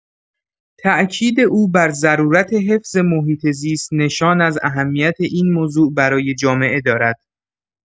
تأکید او بر ضرورت حفظ محیط‌زیست نشان از اهمیت این موضوع برای جامعه دارد.